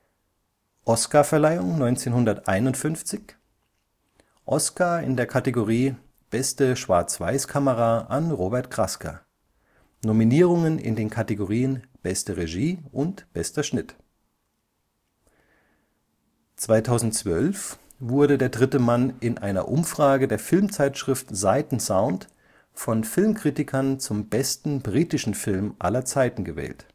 Oscarverleihung 1951 Oscar in der Kategorie Beste Schwarz-Weiß-Kamera an Robert Krasker Nominierungen in den Kategorien Beste Regie und Bester Schnitt 2012 wurde Der dritte Mann in einer Umfrage der Filmzeitschrift Sight & Sound von Filmkritikern zum besten britischen Film aller Zeiten gewählt